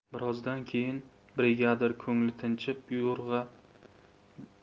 birozdan keyin brigadir ko'ngli